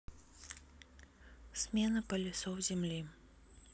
смена полюсов земли